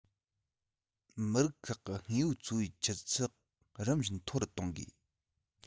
མི རིགས ཁག གི དངོས པོའི འཚོ བའི ཆུ ཚད རིམ བཞིན མཐོ རུ གཏོང དགོས